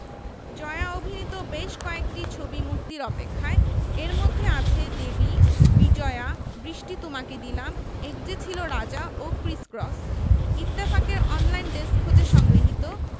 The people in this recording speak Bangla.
জয়া অভিনীত বেশ কয়েকটি ছবি মুক্তির অপেক্ষায় এর মধ্যে আছে দেবী বিজয়া বৃষ্টি তোমাকে দিলাম এক যে ছিল রাজা ও ক্রিস ক্রস ইত্তেফাক এর অনলাইন ডেস্ক হতে সংগৃহীত